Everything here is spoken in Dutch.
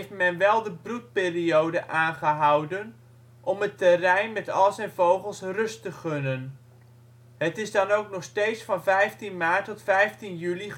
men wel de broedperiode aangehouden om het terrein met al zijn vogels rust te gunnen (het is dan ook nog steeds van 15 maart tot 15 juli gesloten